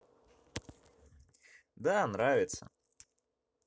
да нравится